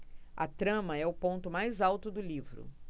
a trama é o ponto mais alto do livro